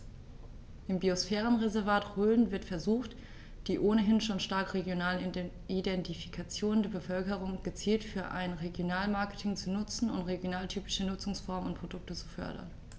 Im Biosphärenreservat Rhön wird versucht, die ohnehin schon starke regionale Identifikation der Bevölkerung gezielt für ein Regionalmarketing zu nutzen und regionaltypische Nutzungsformen und Produkte zu fördern.